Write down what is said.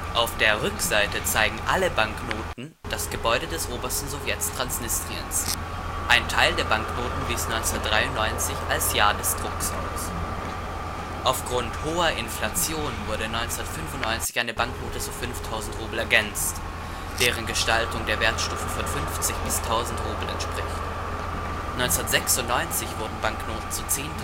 Auf der Rückseite zeigen alle Banknoten das Gebäude des Obersten Sowjets Transnistriens. Ein Teil der Banknoten wies 1993 als Jahr des Drucks aus. Aufgrund hoher Inflation wurde 1995 eine Banknote zu 5000 Rubel ergänzt, deren Gestaltung der Wertstufen von 50 bis 1000 Rubel entspricht. 1996 wurden Banknoten zu 10.000